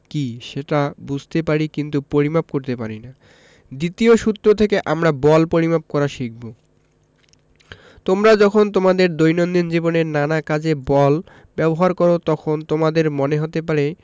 কী সেটা বুঝতে পারি কিন্তু পরিমাপ করতে পারি না দ্বিতীয় সূত্র থেকে আমরা বল পরিমাপ করা শিখব তোমরা যখন তোমাদের দৈনন্দিন জীবনে নানা কাজে বল ব্যবহার করো তখন তোমাদের মনে হতে পারে